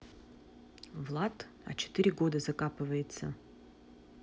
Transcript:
влад а четыре года закапывается